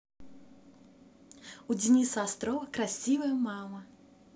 у дениса острова красивая мама